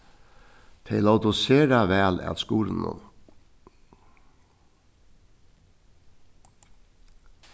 tey lótu sera væl at skurðinum